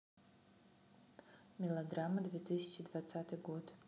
мелодрамы две тысячи двадцатый год